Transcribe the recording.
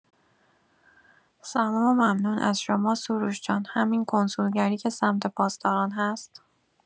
سلام و ممنون از شما سروش جان همین کنسولگری که سمت پاسداران هست؟